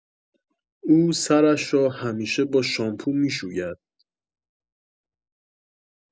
او سرش را همیشه با شامپو می‌شوید